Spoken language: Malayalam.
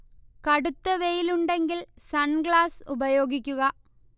കടുത്ത വെയിൽ ഉണ്ടെങ്കിൽ സൺ ഗ്ലാസ് ഉപയോഗിക്കുക